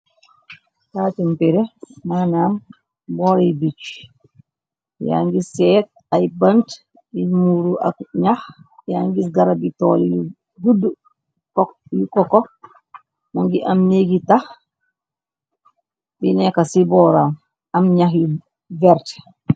taatumpire, manaam booray bicc, yaa ngis seet ay bënt yi muuru, ak ñax yaa ngis garabi tool y ,gudd yu koko mo ngi am néegi tax bi nekka ci booram ,am ñax yu vert.